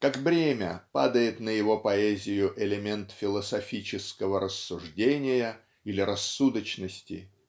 как бремя падает на его поэзию элемент философического рассуждения или рассудочности.